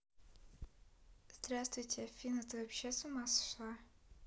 здравствуйте афина ты вообще с ума сошла